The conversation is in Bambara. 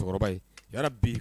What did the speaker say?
Cɛkɔrɔba bi